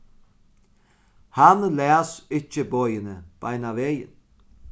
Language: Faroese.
hann las ikki boðini beinanvegin